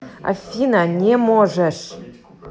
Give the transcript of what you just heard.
афина не можешь